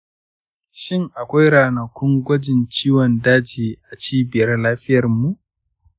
shin akwai ranakun gwajin ciwon daji a cibiyar lafiyarmu?